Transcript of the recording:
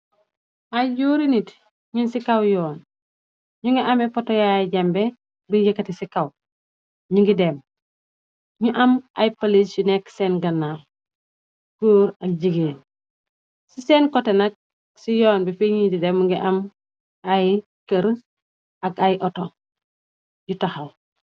Ay jóuri nit ñu ci kaw yoon ñu ngi ame poto Yaay Jameh bin yëkkati ci kaw ñu ngi dem ñu am ay polise yu nekk seen ganaw goor ak jigeen ci seen kote nak ci yoon bi fi ngi di dem mogi am ay keur ak ay auto yu taxaw.